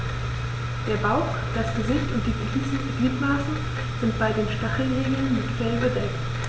Der Bauch, das Gesicht und die Gliedmaßen sind bei den Stacheligeln mit Fell bedeckt.